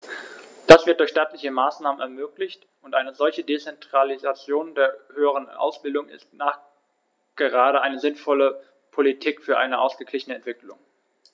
Das wird durch staatliche Maßnahmen ermöglicht, und eine solche Dezentralisation der höheren Ausbildung ist nachgerade eine sinnvolle Politik für eine ausgeglichene Entwicklung.